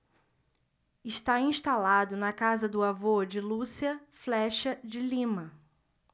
está instalado na casa do avô de lúcia flexa de lima